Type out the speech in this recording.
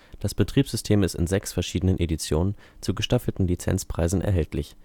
Das Betriebssystem ist in sechs verschiedenen Editionen zu gestaffelten Lizenzpreisen erhältlich